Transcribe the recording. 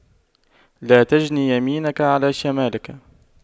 لا تجن يمينك على شمالك